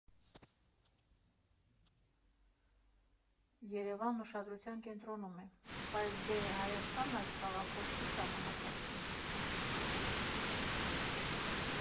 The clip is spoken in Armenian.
Երևանն ուշադրության կենտրոնում է, բայց դե Հայաստանն այս քաղաքով չի սահմանափակվում։